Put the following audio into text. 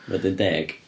Wedyn deg.